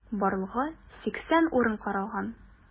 Барлыгы 80 урын каралган.